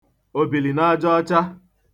òbìlìnajaọcha